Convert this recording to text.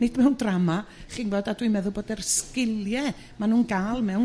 Nid mewn drama chi'n 'bod a dwi'n meddwl bod yr sgilie ma' nhw'n ga'l mewn